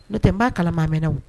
N tɛ n kala maa mɛn na